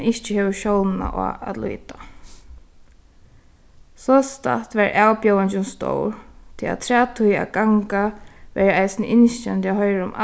ein ikki hevur sjónina á at líta sostatt var avbjóðingin stór tí afturat tí at ganga var jú eisini ynskjandi at hoyra um